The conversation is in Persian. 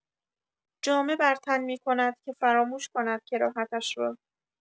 جامه بر تن می‌کند که فراموش کند کراهتش را.